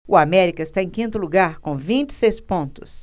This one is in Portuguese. o américa está em quinto lugar com vinte e seis pontos